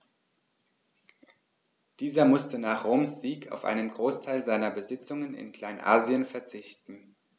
Dieser musste nach Roms Sieg auf einen Großteil seiner Besitzungen in Kleinasien verzichten.